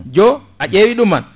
jo a ƴeewi ɗuma